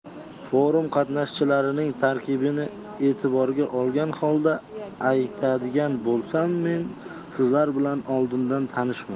forum qatnashchilarining tarkibini e'tiborga olgan holda aytadigan bo'lsam men sizlar bilan oldindan tanishman